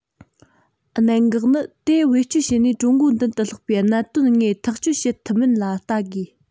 གནད འགག ནི དེ བེད སྤྱོད བྱས ནས ཀྲུང གོའི མདུན དུ ལྷགས པའི གནད དོན དངོས ཐག གཅོད བྱེད ཐུབ མིན ལ བལྟ དགོས